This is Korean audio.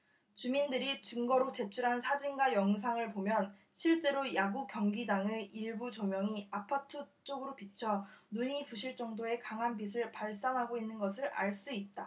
주민들이 증거로 제출한 사진과 영상을 보면 실제로 야구경기장의 일부 조명이 아파트 쪽으로 비쳐 눈이 부실 정도의 강한 빛을 발산하고 있는 것을 알 수 있다